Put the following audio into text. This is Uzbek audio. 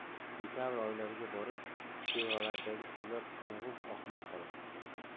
dekabr oylariga borib jilg'alardagi suvlar to'ng'ib oqmay qoladi